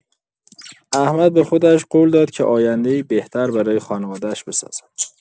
احمد به خودش قول داد که آینده‌ای بهتر برای خانواده‌اش بسازد.